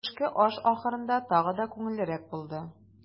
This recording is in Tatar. Төшке аш ахырында тагы да күңеллерәк булды.